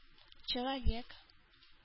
Человек